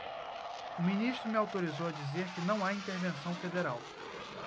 o ministro me autorizou a dizer que não há intervenção federal